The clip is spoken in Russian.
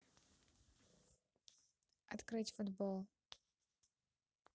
открыть футбол